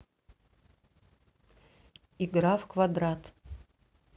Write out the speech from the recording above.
игра в квадрат